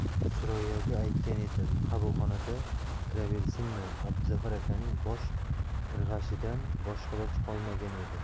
surayyoga aytgan edim qabulxonada kiraversinmi abduzafar akaning bosh irg'ashdan boshqa iloji qolmagan edi